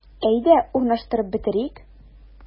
Әйдә, урнаштырып бетерик.